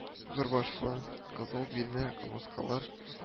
Зур башлы, кызыл билле кырмыскалар